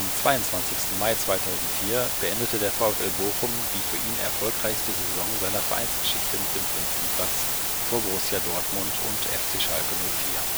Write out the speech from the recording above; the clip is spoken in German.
22. Mai 2004 beendete der VfL Bochum die für ihn erfolgreichste Saison seiner Vereinsgeschichte mit dem 5. Platz vor Borussia Dortmund und FC Schalke 04.